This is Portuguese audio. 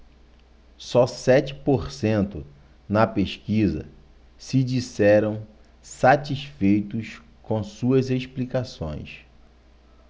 só sete por cento na pesquisa se disseram satisfeitos com suas explicações